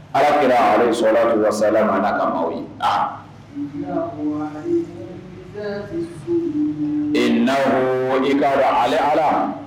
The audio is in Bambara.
Ala kɛra sɔnnala dɔgɔ sa mada ka maaw ye a e na ka ale ala